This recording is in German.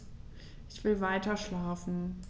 Ich will weiterschlafen.